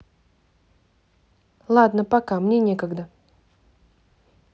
ладно пока мне некогда